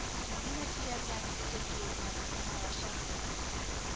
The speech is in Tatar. Мондый нәтиҗә белән Төркия генә мактана алачак